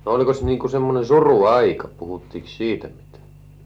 no olikos niin kuin semmoinen suruaika puhuttiinko siitä mitä